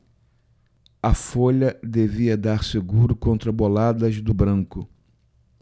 a folha devia dar seguro contra boladas do branco